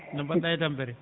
no mbaɗaa e tampere